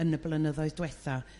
yn y blynyddoedd d'wetha'